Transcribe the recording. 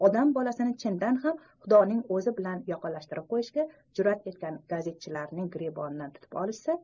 odam bolasini chindan ham xudoning o'zi bilan yoqalashtirib qo'yishga jur'at etgan gazetchilarning giribonidan tutib olishsa